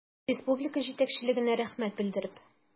Республика җитәкчелегенә рәхмәт белдереп.